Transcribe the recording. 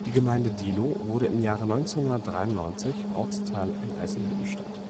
Gemeinde Diehlo wurde im Jahr 1993 Ortsteil von Eisenhüttenstadt